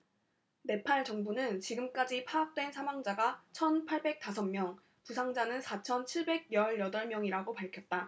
네팔 정부는 지금까지 파악된 사망자가 천 팔백 다섯 명 부상자는 사천 칠백 열 여덟 명이라고 밝혔다